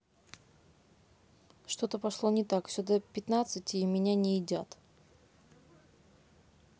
что то пошло не так все до пятнадцати и меня не едят